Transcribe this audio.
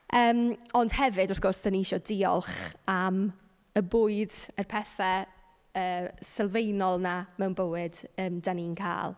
Yym, ond hefyd, wrth gwrs, dan ni isio diolch am y bwyd, y pethe yy sylfaenol 'na mewn bywyd yym dan ni'n cael.